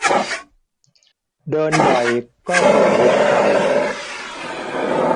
เดินบ่อยก็ปวดหัวเข่า